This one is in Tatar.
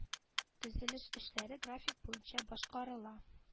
Төзелеш эшләре график буенча башкарыла